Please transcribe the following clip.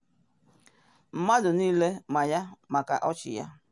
“Mmadụ niile ma ya maka ọchị ya.